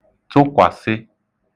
tụkwàsị